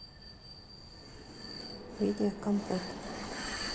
видео компот